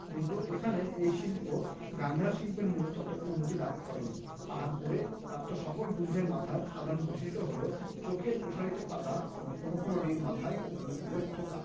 কিন্তু এখানে এই শিল্প গান্ধার শিল্পের মত তত উন্নতি লাভ করে নি পাহাড়পুরে প্রাপ্ত সকল বুদ্ধের মাথার সাধারণ বৈশিষ্ট্য হলো চোখের প্রসারিত পাতা এবং কোন কোনটির মাথায় কোকড়ানো চুলের থোকা